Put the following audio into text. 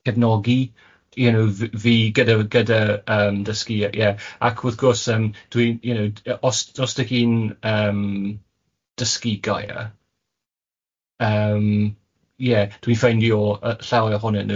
cefnogi, you know fi gyda gyda yym dysgu ie ac wrth gwrs yym dwi'n you know os os dach chi'n yym dysgu gayr yym ie dwi'n ffeindio llawer iawn ohonyn nhw